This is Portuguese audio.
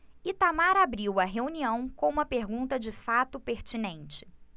itamar abriu a reunião com uma pergunta de fato pertinente